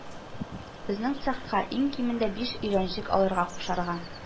Безнең цехка иң кимендә биш өйрәнчек алырга кушарга